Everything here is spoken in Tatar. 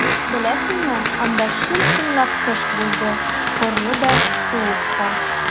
Беләсеңме, анда чын-чынлап кыш булды - карлы да, суык та.